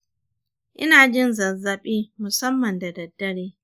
ina jin zazzaɓi musamman da daddare